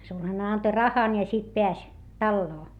sulhanen antoi rahan ja sitten pääsi taloon